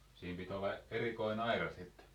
siinä piti olla erikoinen aura sitten